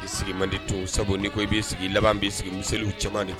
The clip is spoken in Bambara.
I sigi mandi tun sabu ni ko i b'i sigi i aban b'i sigi miseliw caman de